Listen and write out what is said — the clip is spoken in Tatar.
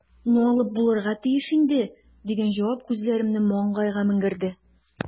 "ну, алып булырга тиеш инде", – дигән җавап күзләремне маңгайга менгерде.